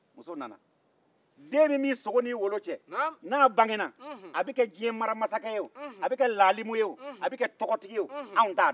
muso nana den min b'i sogo n'i wolo cɛ n'a bangena a bɛ kɛ tɔgɔtigi ye o a bɛ kɛ laalimu ye o a bɛ kɛ diɲɛmaramasakɛ ye o anw t'a dɔn